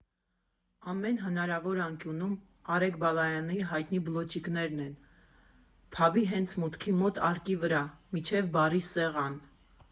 Ամեն հնարավոր անկյունում Արեգ Բալայանի հայտնի բլոճիկներն են՝ փաբի հենց մուտքի մոտ արկի վրա, մինչև բարի սեղան։